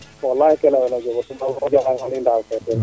walay ke leyona a njeg a ngaan i ndaaw koge teen